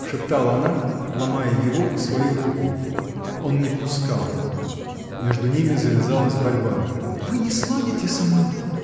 — шептала она, ломая его и свою руку. Он не пускал. Между ними завязалась борьба. — Вы не сладите со мной!.